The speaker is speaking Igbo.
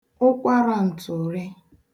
ụkwarāǹtụ̀rị